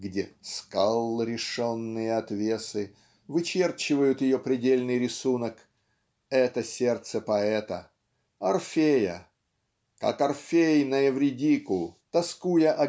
где "скал решенные отвесы" вычерчивают ее предельный рисунок это сердце поэта Орфея как Орфей на Эвридику тоскуя